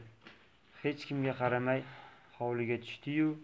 hech kimga qaramay hovliga tushdi yu